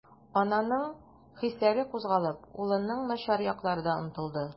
Ананың хисләре кузгалып, улының начар яклары да онытылды.